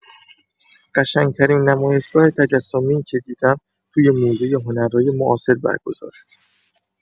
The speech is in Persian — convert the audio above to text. قشنگ‌ترین نمایشگاه تجسمی که دیدم توی موزه هنرای معاصر برگزار شد.